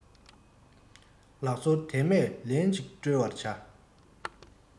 ལག སོར དལ མོས ལེན ཅིག དཀྲོལ བར བྱ